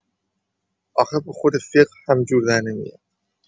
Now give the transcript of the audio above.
آخه با خود فقه هم جور در نمیاد!